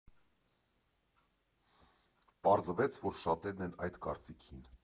Պարզվեց, որ շատերն են այդ կարծիքին։